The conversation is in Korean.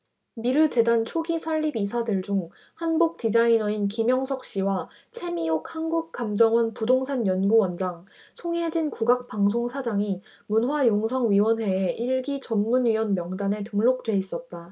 미르재단 초기 설립 이사들 중 한복디자이너인 김영석씨와 채미옥 한국감정원 부동산연구원장 송혜진 국악방송 사장이 문화융성위원회의 일 기 전문위원 명단에 등록돼 있었다